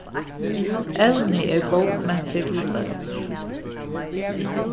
evnið er bókmentir til børn